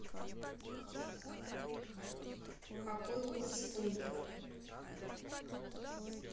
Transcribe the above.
какой курс фунтов